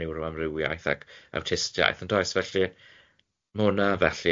niwroamrywiaeth ac artistiaeth yndoes felly ma' hwnna felly.